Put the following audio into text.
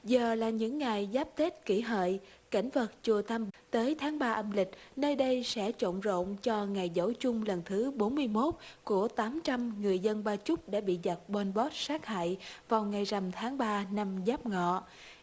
giờ là những ngày giáp tết kỷ hợi cảnh vật chùa tâm tới tháng ba âm lịch nơi đây sẽ chộn rộn cho ngày giỗ chung lần thứ bốn mươi mốt của tám trăm người dân ba chúc đã bị giặc pon pót sát hại vào ngày rằm tháng ba năm giáp ngọ